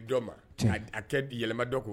Ma a tɛ di yɛlɛma dɔ ko